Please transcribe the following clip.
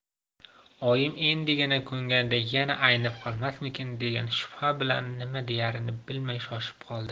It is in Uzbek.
oyim endigina ko'nganda yana aynib qolmasmikin degan shubha bilan nima deyarini bilmay shoshib qoldi